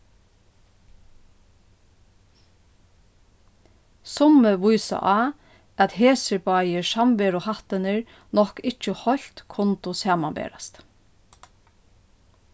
summi vísa á at hesir báðir samveruhættirnir nokk ikki heilt kundu samanberast